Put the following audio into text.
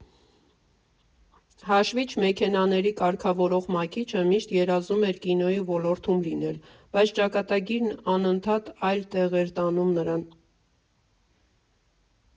Հաշվիչ֊մեքենաների կարգավորող Մակիչը միշտ երազում էր կինոյի ոլորտում լինել, բայց ճակատագիրն անընդհատ այլ տեղ էր տանում նրան։